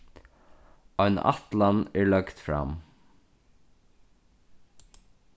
ein ætlan er løgd fram